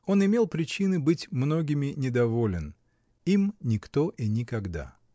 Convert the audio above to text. Он имел причины быть многими недоволен — им никто и никогда.